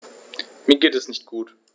Mir geht es nicht gut.